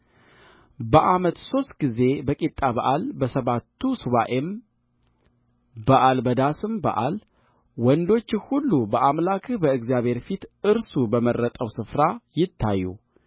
በዓመት ሦስት ጊዜ በቂጣ በዓል በሰባቱ ሱባዔም በዓል በዳስም በዓል ወንዶችህ ሁሉ በአምላክህ በእግዚአብሔር ፊት እርሱ በመረጠው ስፍራ ይታዩ